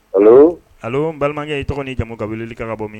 Allo allo n balimakɛ i tɔgɔ n'i jamu ka weleli kɛ ka bɔ min